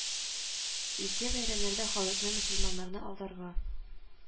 Изге бәйрәмнәрдә халыкны мөселманнарны алдарга